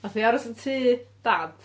Aeth hi i aros yn tŷ dad.